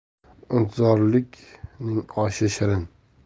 intizorlikning oshi shirin